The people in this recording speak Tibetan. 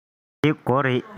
འདི སྒོ རེད